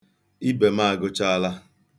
Ibe m agụchaala.